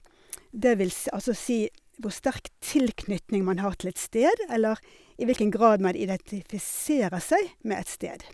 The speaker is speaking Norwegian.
Det vil s altså si hvor sterk tilknytning man har til et sted, eller i hvilken grad man identifiserer seg med et sted.